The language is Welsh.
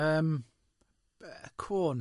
Yym, yy, cwôn.